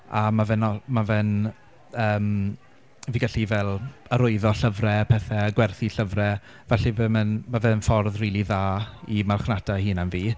A mae fe'n ol- ma' fe'n yym fi'n gallu fel arwyddo llyfrau pethe, gwerthu llyfrau. Felly f- ma' fe'n ffordd rili dda i marchnata ei hunan fi.